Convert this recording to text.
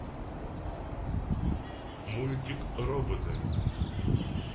мультик роботы